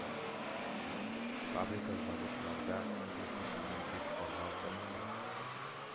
— фабрика-заводларда кул көчемне бик арзан саттым.